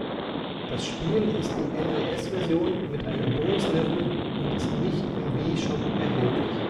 “. Das Spiel ist die NES-Version mit einem Bonuslevel und ist nicht im WiiShop erhältlich